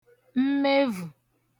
mmevù